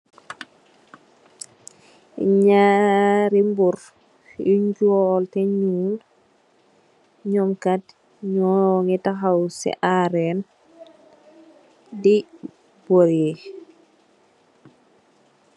Nyri mborr yu nyull te nul nyu tahaw si aren di boreh.